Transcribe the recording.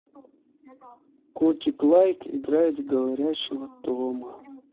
котик лайк играет в говорящего тома